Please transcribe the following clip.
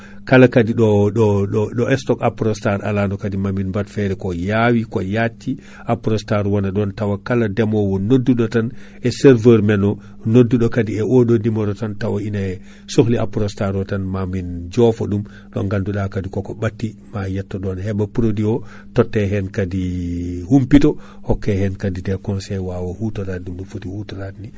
kala kaadi ɗo ɗo ɗo stoke Aprostar alano kaadi mamin bad feere ko yawi ko yajci Aprostar wona ɗon tawa kala deemowo nodduɗo tan e serveur men o nodduɗo kaadi e oɗo numéro tan tawa ine sohli Aprostar o tan ma min jofonoɗum mo ganduɗa kaadi koko batti ma yetto ɗon heɓa produit o totte hen kaadi humpito hokke hen kaadi des conseils wawa hutorade ɗum no foti hutorade ni